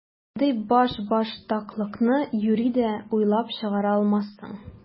Мондый башбаштаклыкны юри дә уйлап чыгара алмассың!